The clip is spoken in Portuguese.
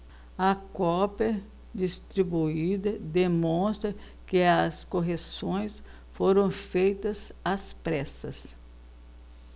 a cópia distribuída demonstra que as correções foram feitas às pressas